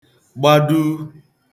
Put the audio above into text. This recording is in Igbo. gba duu